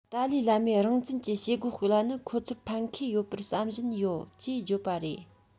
ཏཱ ལའི བླ མས རང བཙན གྱི བྱེད སྒོ སྤེལ བ ནི ཁོ ཚོར ཕན ཁེ ཡོད པར བསམ བཞིན ཡོད ཅེས བརྗོད པ རེད